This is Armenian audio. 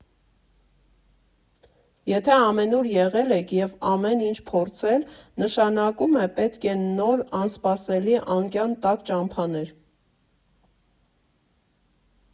Եթե ամենուր եղել եք և ամեն ինչ փորձել, նշանակում է պետք են նոր, անսպասելի անկյան տակ ճամփաներ։